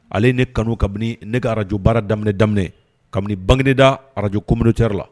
Ale ye ne kanu kabinii ne ka Radio baara daminɛ daminɛ kabini Banginedaa Radio comminautaire la